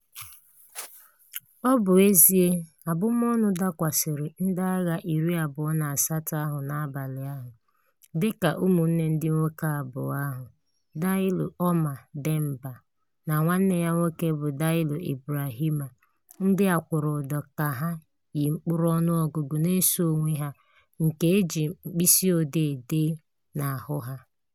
Ọ bụ ezie, abụmọnụ dakwasịrị ndị agha 28 ahụ n'abalị ahụ. Dịka ụmụnne ndị nwoke abụọ ahụ, Diallo Oumar Demba na nwanne ya nwoke bụ Diallo Ibrahima, ndị a kwụrụ ụdọ ka ha yi mkpụrụọnụọgụgụ na-eso onwe ha nke e ji mkpịsịodee dee n'ahụ ha.